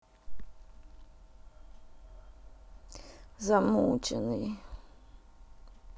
замученный